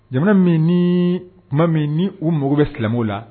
Jamana min ni kuma min ni u mako bɛ silamɛw la.